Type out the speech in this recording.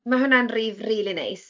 Mae hwnna'n rif rili neis.